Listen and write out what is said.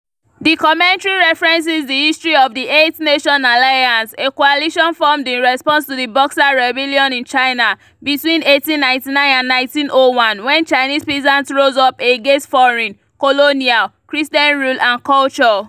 The commentary references the history of the Eight-Nation Alliance, a coalition formed in response to the Boxer Rebellion in China between 1899 and 1901 when Chinese peasants rose up against foreign, colonial, Christian rule and culture.